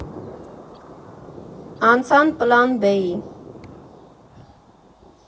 Անցան Պլան Բ֊ի։